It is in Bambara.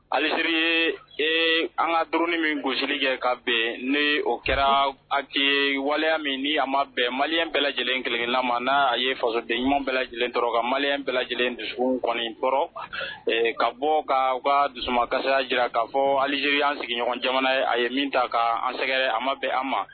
Aliseri ye e an ka du min gsisiri kɛ ka bɛn ne o kɛra a waleya min ni a ma bɛn mali bɛɛ lajɛlenkelenlama n'a a ye fasoden ɲuman bɛɛ lajɛlen to ka mali bɛɛ lajɛlen dusu kɔnɔɔrɔ ka bɔ ka ka dusuma kassira jira k'a fɔ alizjiiri anan sigiɲɔgɔn caman ye a ye min ta ka an sɛgɛrɛ a ma bɛn an ma